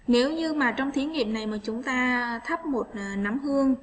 nếu như mà trong thí nghiệm này mà chúng ta thắp một nấm hương